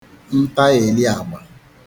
ntagheli agba